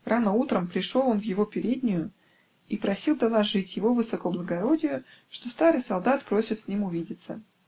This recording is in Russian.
Рано утром пришел он в его переднюю и просил доложить его высокоблагородию, что старый солдат просит с ним увидеться.